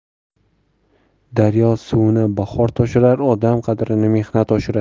daryo suvini bahor toshirar odam qadrini mehnat oshirar